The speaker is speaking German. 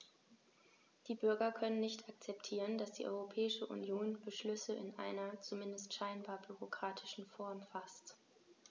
Die Bürger können nicht akzeptieren, dass die Europäische Union Beschlüsse in einer, zumindest scheinbar, bürokratischen Form faßt.